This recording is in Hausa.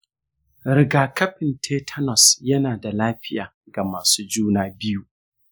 rigakafin tetanus yana da lafiya ga masu juna biyu.